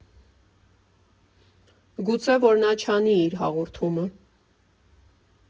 Գուցե որ նա չանի իր հաղորդումը։